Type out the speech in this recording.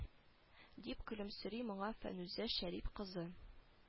Дип көлемсери моңа фәнүзә шәрип кызы